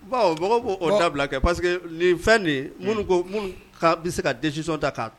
Baw mago b'o dabila kɛ parce que nin fɛn minnu bɛ se ka disisɔn da kan